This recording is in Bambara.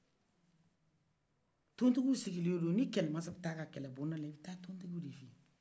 tɔntigiw sigilen do ni kɛlɛ masa bɛt'a kɛlɛ bod'ala i be ta tɔngiw de feyi